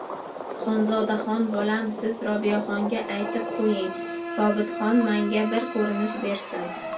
xonzodaxon bolam siz robiyaxonga aytib qo'ying sobitxon manga bir ko'rinish bersin